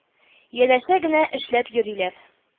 Янәшә генә эшләп йөриләр